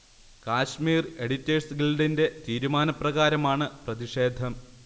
Kashmir editors ഗിൽഡിന്റെ തീരുമാനപ്രകാരമാണ് പ്രതിഷേധം